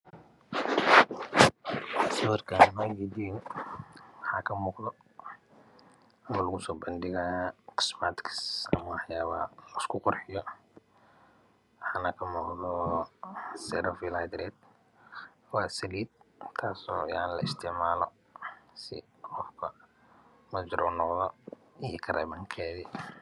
Waxaa kamuuqda meel lagu soo badhigaayo cusmatikis ama waxyaapaha liis ku qurxiyo waxaana kamuuqdo salafiriim haydara waa saliid tasoo la isticmaalo nojirool waa iyo karemanaka